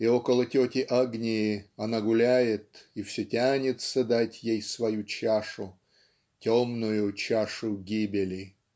и около тети Агнии она гуляет и все тянется дать ей свою чашу темную чашу гибели".